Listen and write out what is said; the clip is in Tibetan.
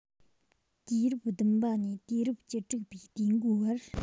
དུས རབས བདུན པ ནས དུས རབས བཅུ དྲུག པའི དུས འགོའི བར